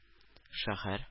Шәһәр